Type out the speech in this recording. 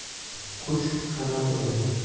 qush qanoti bilan